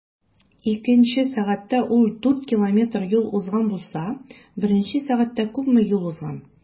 Икенче сәгатьтә ул 4 км юл узган булса, беренче сәгатьтә күпме юл узган?